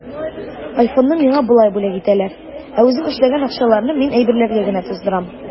Айфонны миңа болай бүләк итәләр, ә үзем эшләгән акчаларны мин әйберләргә генә туздырам.